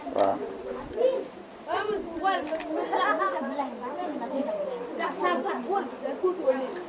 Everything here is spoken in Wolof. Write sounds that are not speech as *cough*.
waaw *crosstalk*